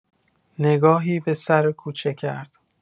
نگاهی به سر کوچه کرد.